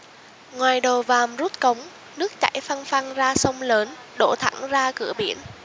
ngoài đầu vàm rút cống nước chảy phăng phăng ra sông lớn đổ thẳng ra cửa biển